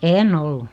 en ollut